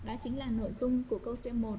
đó chính là nội dung của câu c